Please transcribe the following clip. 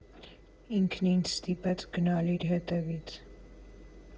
Ինքն ինձ ստիպեց գնալ իր հետևից։